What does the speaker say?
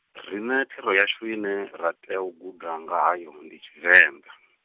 riṋe thero yashu ine ra tea u guda nga hayo ndi Tshivenḓa.